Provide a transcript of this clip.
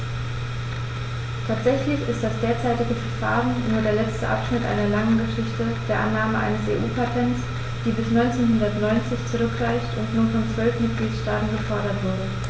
Tatsächlich ist das derzeitige Verfahren nur der letzte Abschnitt einer langen Geschichte der Annahme eines EU-Patents, die bis 1990 zurückreicht und nur von zwölf Mitgliedstaaten gefordert wurde.